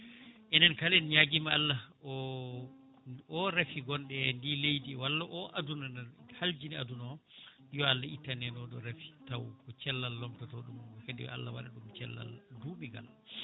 enen kala en ñaaguima Allah o o raafi gonɗo e ndi leydi walla o aduna haljini aduna o yo Allah ittan en oɗo raafi taw ko cellal lomtoto ɗum kadi Allah waɗa ɗum cellal duɓigal